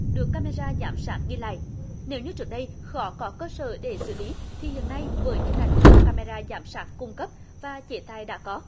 được ca mê ra giám sát ghi lại nếu như trước đây khó có cơ sở để xử lý thì hiện nay với hình ảnh do ca mê ra giám sát cung cấp và chế tài đã có